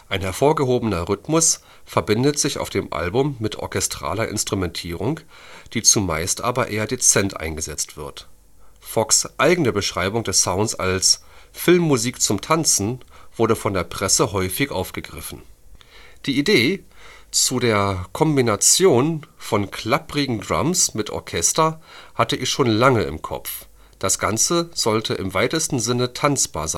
hervorgehobener Rhythmus verbindet sich auf dem Album mit orchestraler Instrumentierung, die zumeist aber eher dezent eingesetzt wird. Fox ' eigene Beschreibung des Sounds als „ Filmmusik zum Tanzen “wurde von der Presse häufig aufgegriffen. „ Die Idee zu der Kombination von klapprigen Drums mit Orchester hatte ich schon lange im Kopf. Das Ganze sollte im weitesten Sinne tanzbar